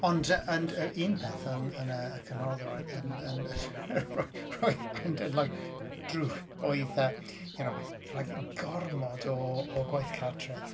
Ond yy ond yy un peth yn yn y canolradd yn yn yn roedd roedd you know like gormod o o gwaith cartref.